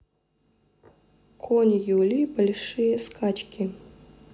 конь юлий большие скачки